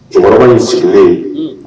Cɛkɔrɔba in sigilen yen